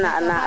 wala i